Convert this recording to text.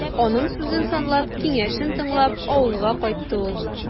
Аның сүзен санлап, киңәшен тыңлап, авылга кайтты ул.